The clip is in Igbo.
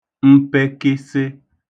mpekịsị